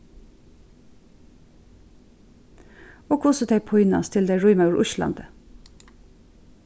og hvussu tey pínast til tey rýma úr íslandi